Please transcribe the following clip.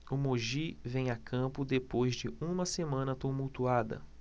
o mogi vem a campo depois de uma semana tumultuada